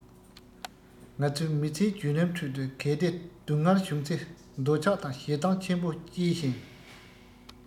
ང ཚོའི མི ཚེའི བརྒྱུད རིམ ཁྲོད དུ གལ ཏེ སྡུག བསྔལ བྱུང ཚེ འདོད ཆགས དང ཞེ སྡང ཆེན པོ སྐྱེས ཤིང